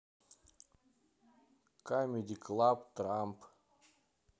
камеди клаб трамп